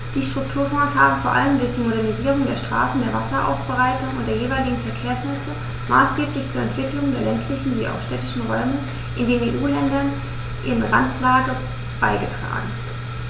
Die Strukturfonds haben vor allem durch die Modernisierung der Straßen, der Wasseraufbereitung und der jeweiligen Verkehrsnetze maßgeblich zur Entwicklung der ländlichen wie auch städtischen Räume in den EU-Ländern in Randlage beigetragen.